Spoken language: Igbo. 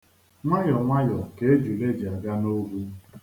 Nwayọnwayọ ka ejule ji aga n'ogwu.